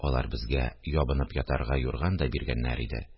Алар безгә ябынып ятарга юрган да биргәннәр иде